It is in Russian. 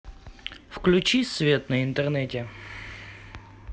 включи свет на интернете